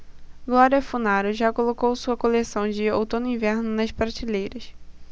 glória funaro já colocou sua coleção de outono-inverno nas prateleiras